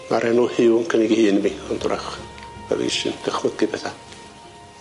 Ma'r enw Huw yn cynnig 'i hun i fi ond 'w'rach ma' fi sy'n dychmygu petha.